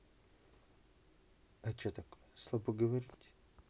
а че такое слабо поговорить